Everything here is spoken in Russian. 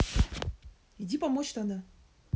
иди помочь тогда